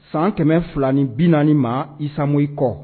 San kɛmɛ filain bi naaniani ma isamo i kɔ